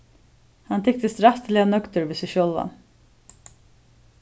hann tykist rættiliga nøgdur við seg sjálvan